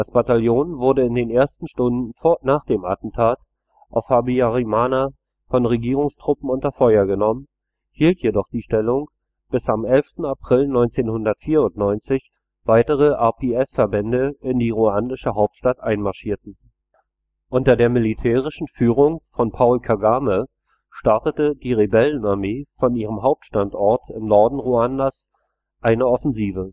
Bataillon wurde in den ersten Stunden nach dem Attentat auf Habyarimana von Regierungstruppen unter Feuer genommen, hielt jedoch die Stellung, bis am 11. April 1994 weitere RPF-Verbände in die ruandische Hauptstadt einmarschierten. Vormarsch der RPF in Ruanda 1994 Unter der militärischen Führung von Paul Kagame startete die Rebellenarmee von ihrem Hauptstandort im Norden Ruandas aus eine Offensive